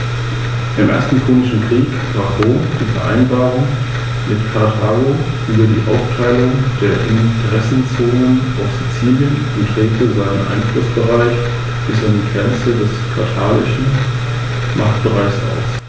Über das Ansehen dieser Steuerpächter erfährt man etwa in der Bibel.